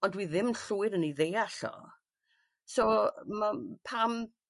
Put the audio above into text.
ond dwi ddim llwyr yn 'i ddeall o so ma' pam